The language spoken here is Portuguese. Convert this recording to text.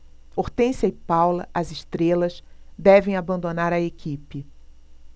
hortência e paula as estrelas devem abandonar a equipe